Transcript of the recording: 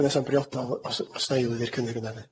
Dyna sy'n briodol. Os yy o's 'a eilydd i'r cynnig yna de.